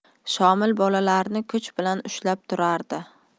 shomil bolalarni kuch bilan ushlab turardi